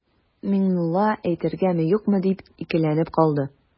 Миңнулла әйтергәме-юкмы дип икеләнеп калды.